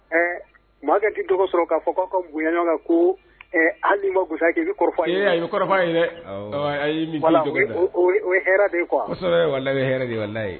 Ɛ maakɛ' tɔgɔ sɔrɔ k'a fɔ k'a ka bonyayan ɲɔgɔn kan ko an ni ma ye de ye